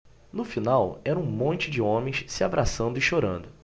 no final era um monte de homens se abraçando e chorando